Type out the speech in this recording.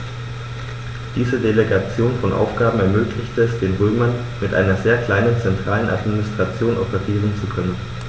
Diese Delegation von Aufgaben ermöglichte es den Römern, mit einer sehr kleinen zentralen Administration operieren zu können.